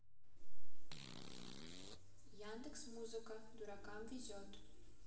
яндекс музыка дуракам везет